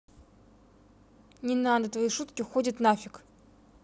не надо твои шутки уходить нафиг